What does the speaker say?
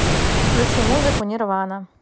включи музыку нирвана